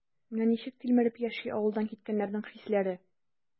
Менә ничек тилмереп яши авылдан киткәннәрнең хислеләре?